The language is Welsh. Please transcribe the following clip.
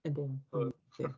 Yndi yndi.